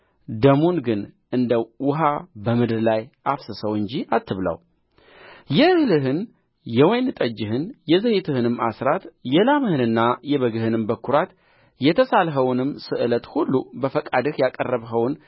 ደሙን ግን እንደ ውኃ በምድር ላይ አፍስሰው እንጂ አትብላው የእህልህን የወይን ጠጅህን የዘይትህንም አሥራት የላምህንና የበግህንም በኩራት የተሳልኸውንም ስእለት ሁሉ በፈቃድህም ያቀረብኸውን